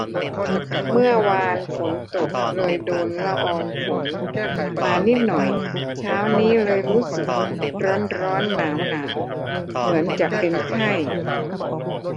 เมื่อวานฝนตกเลยโดนละอองฝนมานิดหน่อยเช้านี้เลยรู้สึกร้อนร้อนหนาวหนาวเหมือนจะเป็นไข้